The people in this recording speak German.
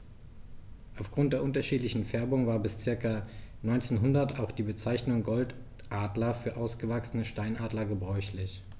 Auf Grund der unterschiedlichen Färbung war bis ca. 1900 auch die Bezeichnung Goldadler für ausgewachsene Steinadler gebräuchlich.